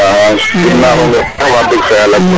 axa sim naxong koy wax deg fa yala